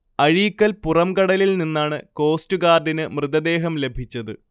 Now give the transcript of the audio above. അഴീക്കൽ പുറംകടലിൽ നിന്നാണ് കോസ്റ്റ്ഗാർഡിന് മൃതദേഹം ലഭിച്ചത്